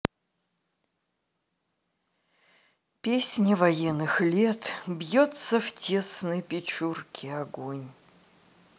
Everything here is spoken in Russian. песни военных лет бьется в тесной печурке огонь